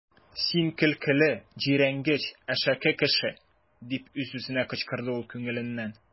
Син көлкеле, җирәнгеч, әшәке кеше! - дип үз-үзенә кычкырды ул күңеленнән.